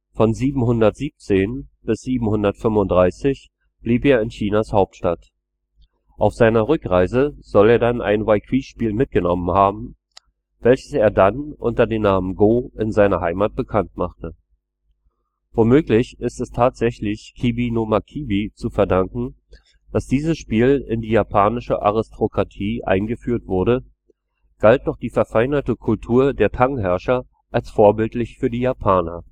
Von 717 bis 735 blieb er in Chinas Hauptstadt. Auf seiner Rückreise soll er dann ein Weiqi-Spiel mitgenommen haben, welches er dann unter dem Namen Go in seiner Heimat bekannt machte. Womöglich ist es tatsächlich Kibi no Makibi zu verdanken, dass dieses Spiel in die japanische Aristokratie eingeführt wurde, galt doch die verfeinerte Kultur der Tang-Herrscher als vorbildlich für die Japaner